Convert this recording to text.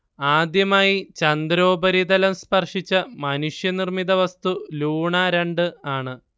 ആദ്യമായി ചന്ദ്രോപരിതലം സ്പർശിച്ച മനുഷ്യനിർമിത വസ്തു ലൂണ രണ്ട് ആണ്